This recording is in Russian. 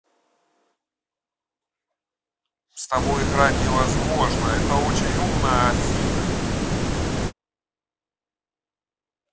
с тобой играть невозможно это очень умная афина